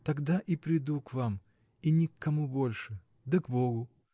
тогда я приду к вам — и ни к кому больше, да к Богу!